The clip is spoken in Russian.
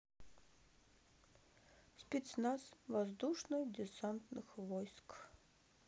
спецназ воздушно десантных войск